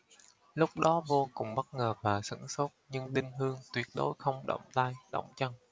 lúc đó vô cùng bất ngờ và sửng sốt nhưng đinh hương tuyệt đối không động tay động chân